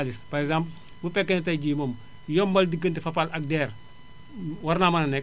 xaalis par exeemple bu fekkee ne tey jii moom yombal diggante Fapal ak DER war naa mël a nekk